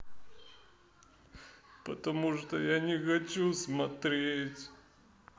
потому что я не хочу смотреть